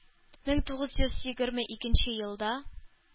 Мең тугыз йөз егерме икнче елда